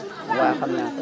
waaw xam naa ko